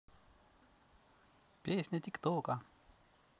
песня тик тока